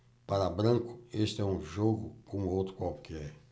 para branco este é um jogo como outro qualquer